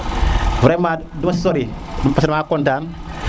vraiment du sori parce que dama content